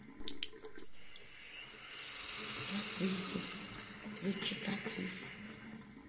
родригес речитатив